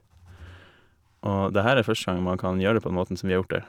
Og det her er første gang man kan gjøre det på den måten som vi har gjort det.